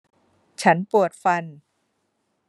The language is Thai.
ฉันปวดฟัน